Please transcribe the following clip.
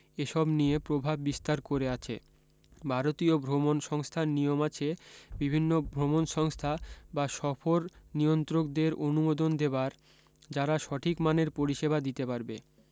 এসব নিয়ে প্রভাব বিস্তার করে আছে ভারতীয় ভ্রমণ সংস্থার নিয়ম আছে বিভিন্ন ভ্রমণ সংস্থা বা সফর নিয়ন্ত্রকদের অনুমোদন দেবার যারা সঠিক মানের পরিষেবা দিতে পারবে